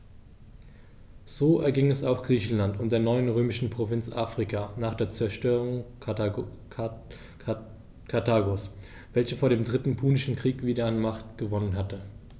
So erging es auch Griechenland und der neuen römischen Provinz Afrika nach der Zerstörung Karthagos, welches vor dem Dritten Punischen Krieg wieder an Macht gewonnen hatte.